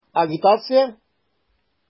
Агитация?!